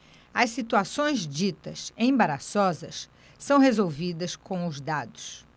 as situações ditas embaraçosas são resolvidas com os dados